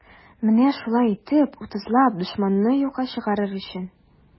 Менә шулай итеп, утызлап дошманны юкка чыгарыр өчен.